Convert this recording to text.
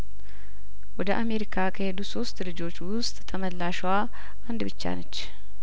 ወደ አሜሪካ ከሄዱት ሶስት ልጆች ውስጥ ተመላሿ አንድ ብቻነች